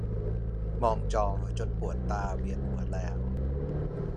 มองจอจนปวดตาเวียนหัวแล้ว